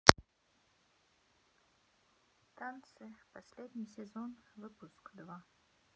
танцы последний сезон выпуск два